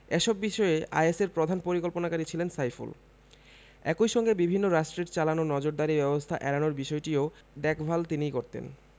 এসব বিষয়ে আইএসের প্রধান পরিকল্পনাকারী ছিলেন সাইফুল একই সঙ্গে বিভিন্ন রাষ্ট্রের চালানো নজরদারি ব্যবস্থা এড়ানোর বিষয়টিও দেখভাল তিনিই করতেন